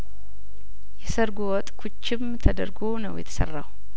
የሰርጉ ወጥ ኩችም ተደርጐ ነው የተሰራው